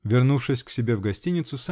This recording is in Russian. Вернувшись к себе в гостиницу.